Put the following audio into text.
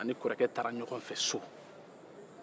a ni kɔrɔkɛ taara ɲɔgɔn fɛ so